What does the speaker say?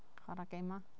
Chwarae gêmau?